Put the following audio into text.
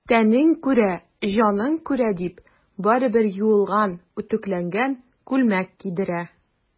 Тәнең күрә, җаның күрә,— дип, барыбер юылган, үтүкләнгән күлмәк кидерә.